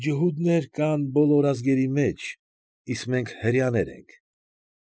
Ջհուդներ կան բոլոր ազգերի մեջ, իսկ մենք հրեաներ ենք։